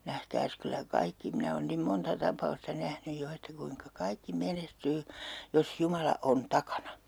nähkääs kyllä kaikki minä olen niin monta tapausta nähnyt jo että kuinka kaikki menestyy jos Jumala on takana